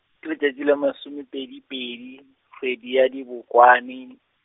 ke letšatši la masomepedi pedi , kgwedi ya Dibokwane .